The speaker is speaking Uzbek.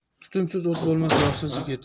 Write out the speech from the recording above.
tutunsiz o't bo'lmas yorsiz yigit